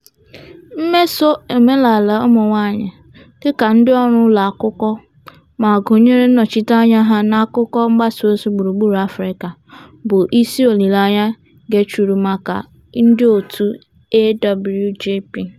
Mmeso omenala ụmụnwaanyị - dịka ndịọrụ ụlọakụkọ, ma gụnyere nnọchiteanya ha n'akụkọ mgbasaozi gburugburu Afrịka - bụ isi olileanya Gicheru maka ndịòtù AWJP.